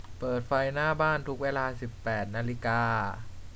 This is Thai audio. เปิดไฟหน้าบ้านทุกเวลาสิบแปดนาฬิกา